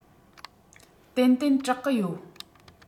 ཏན ཏན སྐྲག གི ཡོད